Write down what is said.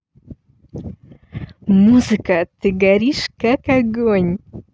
музыка ты горишь как огонь